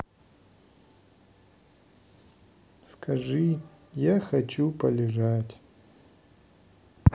скажи я хочу полежать